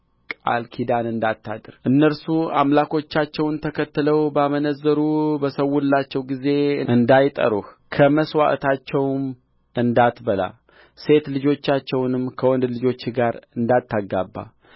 ቃል ኪዳን እንዳታደርግ እነርሱ አምላኮቻቸውን ተከትለው ባመነዘሩና በሠዉላቸው ጊዜ እንዳይጠሩህ ከመሥዋዕታቸውም እንዳትበላ ሴት ልጆቻቸውንም ከወንድ ልጆችህ ጋር እንዳታጋባ